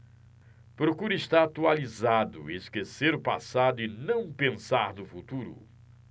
procuro estar atualizado esquecer o passado e não pensar no futuro